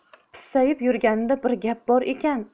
pissayib yurganida gap bor ekan